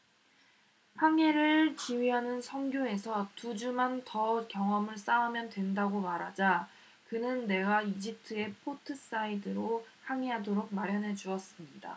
항해를 지휘하는 선교에서 두 주만 더 경험을 쌓으면 된다고 말하자 그는 내가 이집트의 포트사이드로 항해하도록 마련해 주었습니다